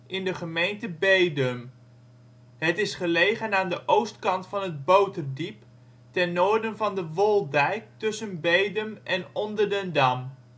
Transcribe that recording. in de gemeente Bedum. Het is gelegen aan de oostkant van het Boterdiep, ten noorden van de Wolddijk tussen Bedum en Onderdendam